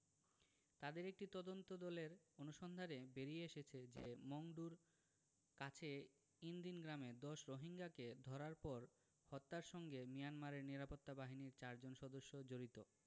তাদের একটি তদন্তদলের অনুসন্ধানে বেরিয়ে এসেছে যে মংডুর কাছে ইনদিন গ্রামে ১০ রোহিঙ্গাকে ধরার পর হত্যার সঙ্গে মিয়ানমারের নিরাপত্তা বাহিনীর চারজন সদস্য জড়িত